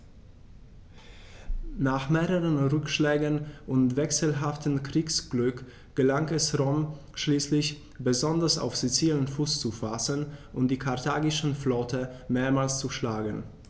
Nach mehreren Rückschlägen und wechselhaftem Kriegsglück gelang es Rom schließlich, besonders auf Sizilien Fuß zu fassen und die karthagische Flotte mehrmals zu schlagen.